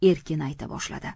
erkin ayta boshladi